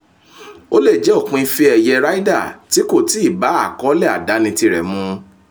Ó le jẹ́ òpin Ìfe ẹ̀yẹ Ryder tí kò tìì bá àkọọ́lẹ̀ àdáni tirẹ̀ mu.